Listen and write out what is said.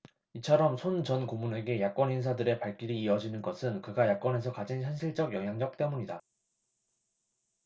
이처럼 손 전 고문에게 야권 인사들의 발길이 이어지는 것은 그가 야권에서 가진 현실적 영향력 때문이다